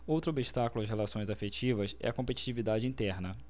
outro obstáculo às relações afetivas é a competitividade interna